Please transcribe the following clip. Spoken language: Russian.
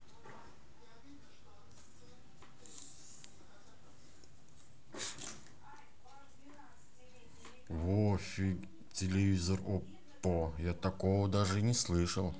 новый телевизор оппо